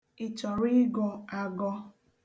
Ị chọrọ ịgọ agọ?